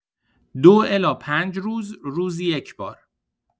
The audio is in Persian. ۲ الی ۵ روز، روزی یک‌بار